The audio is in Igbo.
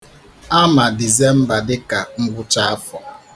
A ma Disemba dịka ngwụchaafọ.